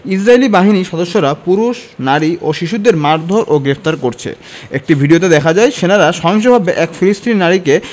ইসরাইলী বাহিনীর সদস্যরা পুরুষ নারী ও শিশুদের মারধোর ও গ্রেফতার করছে একটি ভিডিওতে দেখা যায় সেনারা সহিংসভাবে এক ফিলিস্তিনি নারীকে